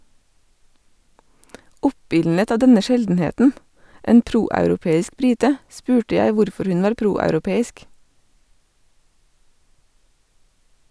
Oppildnet av denne sjeldenheten - en proeuropeisk brite - spurte jeg hvorfor hun var proeuropeisk.